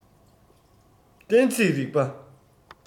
གཏན ཚིགས རིག པ